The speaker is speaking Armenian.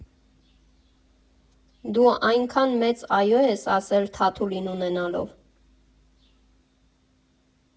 «Դու այնքա՜ն մեծ «այո» ես ասել Թաթուլին ունենալով»։